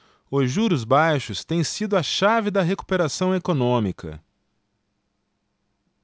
os juros baixos têm sido a chave da recuperação econômica